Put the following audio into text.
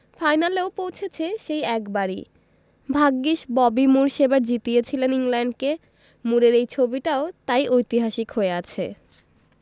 ফাইনালেও পৌঁছেছে সেই একবারই ভাগ্যিস ববি মুর সেবার জিতিয়েছিলেন ইংল্যান্ডকে মুরের এই ছবিটাও তাই ঐতিহাসিক হয়ে আছে